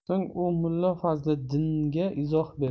so'ng u mulla fazliddinga izoh berdi